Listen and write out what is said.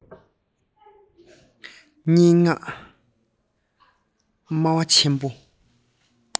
སྙན ངག སྨྲ བ ཆེན པོ